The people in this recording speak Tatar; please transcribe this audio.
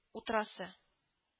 Тырасы